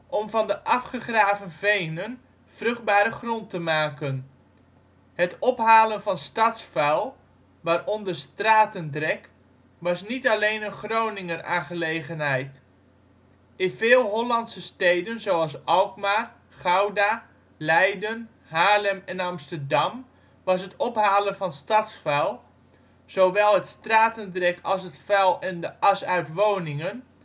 om van de afgegraven venen vruchtbare grond te maken. Het ophalen van stadsvuil, waaronder stratendrek, was niet alleen een Groninger aangelegenheid. In veel Hollandse steden zoals Alkmaar, Gouda, Leiden, Haarlem en Amsterdam was het ophalen van stadsvuil (zowel het stratendrek als het vuil en de as uit woningen